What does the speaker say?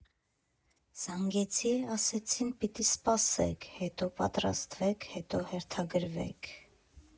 Զանգեցի, ասեցին՝ պիտի սպասեք, հետո պատրաստվեք, հետո հերթագրվեք…